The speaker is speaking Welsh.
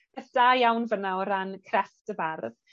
peth da iawn fana o ran crefft y bardd.